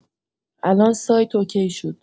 الان سایت اوکی شد.